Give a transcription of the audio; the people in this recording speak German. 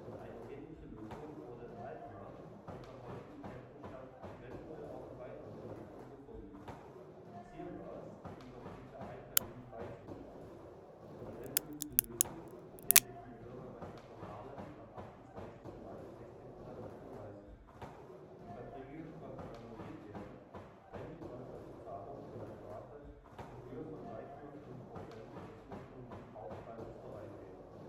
Eine ähnliche Lösung wurde in Alkmaar und nach heutigem Kenntnisstand eventuell auch in weiteren Städten gefunden. Ziel war es, die Konflikte einvernehmlich beizulegen (per accomodatie). Die endgültige Lösung bestätigten die Bürgermeister von Haarlem am 28. Mai 1638: Die Verträge konnten annulliert werden, wenn die Käufer zur Zahlung einer Strafe in Höhe von 3,5 Prozent des ursprünglichen Kaufpreises bereit waren